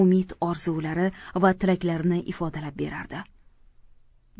umid orzulari va tilaklarini ifodalab berardi